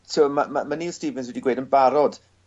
Ti'o ma' ma' ma' Neil Stephens wedi gweud yn barod